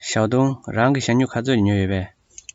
ཞའོ ཏུང རང གིས ཞྭ སྨྱུག ག ཚོད ཉོས ཡོད པས